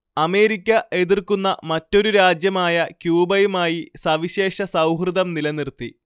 America എതിർക്കുന്ന മറ്റൊരു രാജ്യമായ ക്യൂബയുമായി സവിശേഷ സൗഹൃദം നിലനിർത്തി